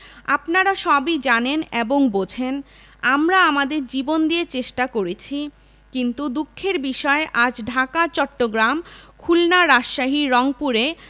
আপনারা সবই জানেন এবং বোঝেন আমরা আমাদের জীবন দিয়ে চেষ্টা করেছি কিন্তু দুঃখের বিষয় আজ ঢাকা চট্রগ্রাম খুলনা রাজশাহী রংপুরে